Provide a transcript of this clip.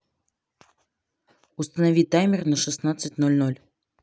установи таймер на шестнадцать ноль ноль